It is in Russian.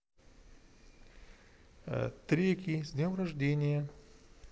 треки с днем рождения